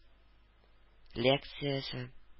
Лекциясе